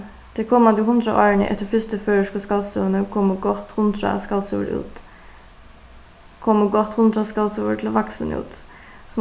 tey komandi hundrað árini eftir fyrstu føroysku skaldsøguni komu gott hundrað skaldsøgur út komu gott hundrað skaldsøgur til vaksin út